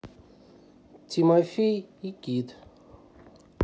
тимофей и кит